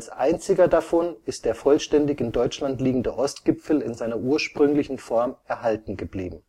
einziger davon ist der vollständig in Deutschland liegende Ostgipfel in seiner ursprünglichen Form erhalten geblieben